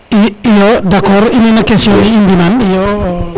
iyo d' accord i nana question ne i mbinaan